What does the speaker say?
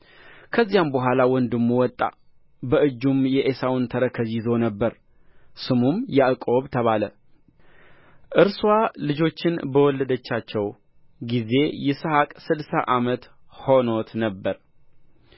ከዚያም በኋላ ወንድሙ ወጣ በእጁም የዔሳውን ተረከዝ ይዞ ነበር ስሙም ያዕቆብ ተባለ እርስዋ ልጆችን በወለደቻቸው ጊዜ ይስሐቅ ስድሳ ዓመት ሆኖት ነበር